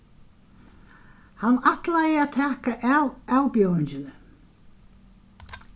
hann ætlaði at taka av avbjóðingini